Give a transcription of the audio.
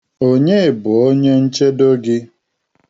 Onye bụ onye nchedo gị?